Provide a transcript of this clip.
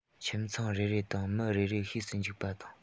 ཁྱིམ ཚང རེ རེ དང མི རེ རེར ཤེས སུ འཇུག པ དང